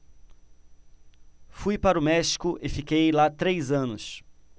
fui para o méxico e fiquei lá três anos